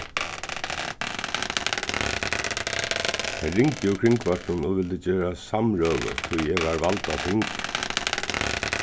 tey ringdu úr kringvarpinum og vildu gera samrøðu tí eg varð vald á ting